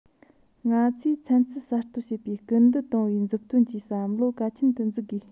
ང ཚོས ཚན རྩལ གསར གཏོད བྱེད པར སྐུལ འདེད གཏོང བའི མཛུབ སྟོན གྱི བསམ བློ གལ ཆེན དུ འཛིན དགོས